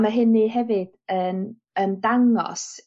...ma' hynny hefyd yn yn dangos